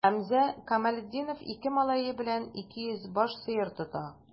Хәмзә Камалетдинов ике малае белән 200 баш сыер тота.